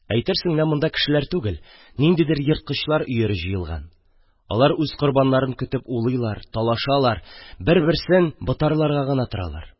Әйтерсең лә монда кешеләр түгел, ниндидер ерткычлар өере җыелган; алар үз корбаннарын көтеп улыйлар, талашалар, бер-берсен ботарларга гына торалар.